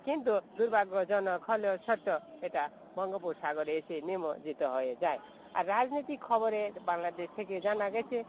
কিন্তু দুর্ভাগ্যজনক হলেও সত্য এটা বঙ্গোপসাগরে এসে নিমজ্জিত হয়ে যায় আর রাজনৈতিক খবর বাংলাদেশ থেকে জানা গেছে